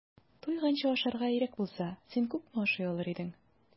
Туйганчы ашарга ирек булса, син күпме ашый алыр идең?